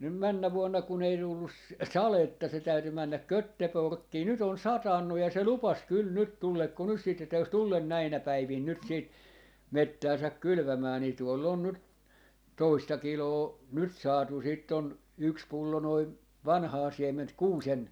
nyt mennä vuonna kun ei tullut sadetta se täytyi mennä Göteborgiin nyt on satanut ja se lupasi kyllä nyt tuleeko nyt sitten että jos tule näinä päivinä nyt sitten metsäänsä kylvämään niin tuolla on nyt toista kiloa nyt saatu sitten on yksi pullo noin vanhaa siementä kuusen